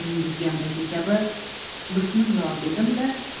mingizgandagi kabi bismillo dedim da